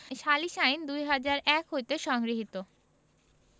সালিস আইন ২০০১ হতে সংগৃহীত